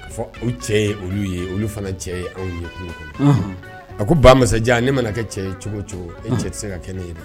Fɔ u cɛ ye olu ye, olu fana cɛ ye anw ye kungo kɔnɔ. Anhan! A ko ba masajan, ne mana kɛ cɛ ye cogo o cogo, e cɛ tɛ se ka kɛ ne ye dɛ.